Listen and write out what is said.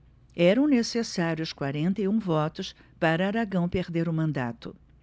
eram necessários quarenta e um votos para aragão perder o mandato